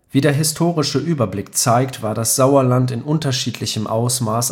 Wie der historische Überblick zeigt, war das Sauerland in unterschiedlichem Ausmaß